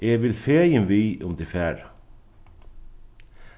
eg vil fegin við um tit fara